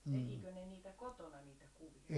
tekikö ne niitä kotona niitä kuvia